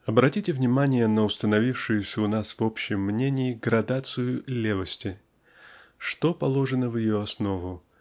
Обратите внимание на установившуюся у нас в общем мнении градацию "левости". Что положено в ее основу?